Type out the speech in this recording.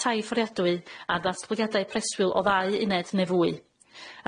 tai fforiadwy ar ddatblygiadau preswyl o ddau uned neu fwy.